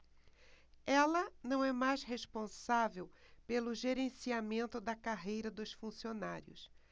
ela não é mais responsável pelo gerenciamento da carreira dos funcionários